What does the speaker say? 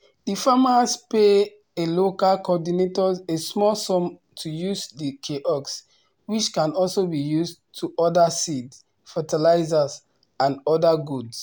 The farmers pay a local coordinator a small sum to use the kiosk, which can also be used to order seed, fertilizers and other goods.